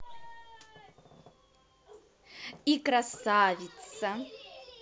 и красавица